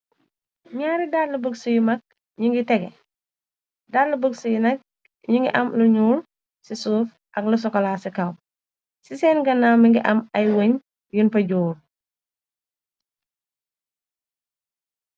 Nyaari dalluh bëgsu yu mag ñu ngi tege. Dalla bëgsu yu nag ñu ngi am lu nuur ci suuf ak lu sokolaa ci kaw ,ci seen gannaw mi ngi am ay wëñ yun fa jóor.